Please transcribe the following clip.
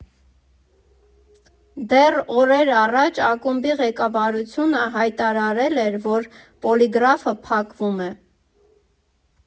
Դեռ օրեր առաջ ակումբի ղեկավարությունը հայտարարել էր, որ Պոլիգրաֆը փակվում է։